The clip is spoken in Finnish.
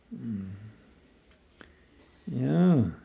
mm joo